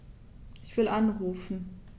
Ich will anrufen.